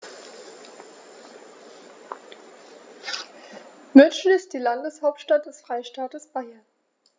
München ist die Landeshauptstadt des Freistaates Bayern.